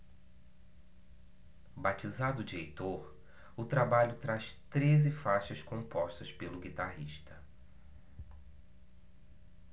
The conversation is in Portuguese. batizado de heitor o trabalho traz treze faixas compostas pelo guitarrista